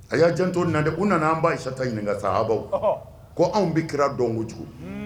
A y'a janto na u nana an ba ye sata ɲininkaka sabaw ko anw bɛ kɛra dɔn kojugu